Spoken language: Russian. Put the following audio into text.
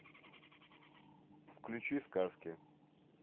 включи сказки